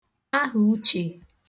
ahàuchè